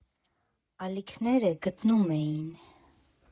Ալիքները գտնում էին։